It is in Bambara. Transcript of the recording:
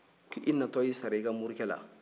k'i natɔ y'i sara i ka morikɛ la